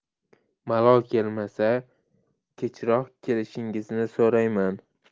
malol kelmasa kechroq kelishingizni so'rayman